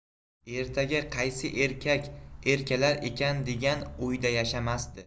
ertaga qaysi erkak erkalar ekan degan o'yda yashamasdi